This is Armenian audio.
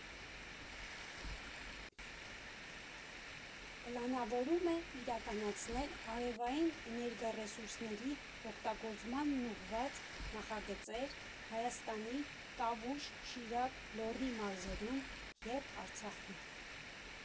Պլանավորվում է իրականացնել արևային էներգառեսուրսների օգտագործմանն ուղղված նախագծեր Հայաստանի Տավուշ, Շիրակ, Լոռի մարզերում և Արցախում։